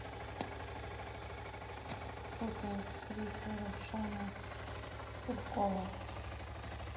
фото актриса равшана куркова